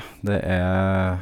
Det er...